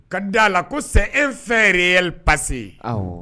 Ka di d a la ko se e fɛ yɛrɛ yɛlɛ pase ye